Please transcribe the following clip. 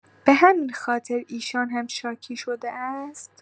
به همین خاطر ایشان هم شاکی شده است؟